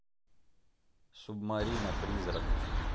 субмарина призрак